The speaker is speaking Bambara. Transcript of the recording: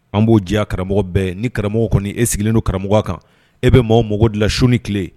An b'o jɛ karamɔgɔ bɛɛ ni karamɔgɔ kɔni e sigilen don karamɔgɔ kan e bɛ maaw mako dilanc ni tile